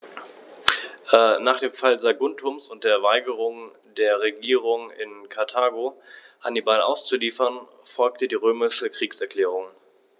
Nach dem Fall Saguntums und der Weigerung der Regierung in Karthago, Hannibal auszuliefern, folgte die römische Kriegserklärung.